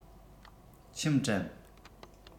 ཁྱིམ དྲན